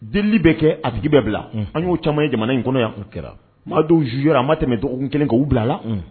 Delili bɛ kɛ a tigi bɛ bila, an y'o caman ye jamana in kɔnɔ yan, o kɛra, maa dɔw jugé ra a ma tɛmɛ dɔgɔkun kelen kan u bilala